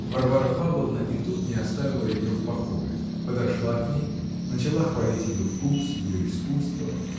Варвара Павловна и тут не оставила ее в покое: подошла к ней, начала хвалить ее вкус, ее искусство.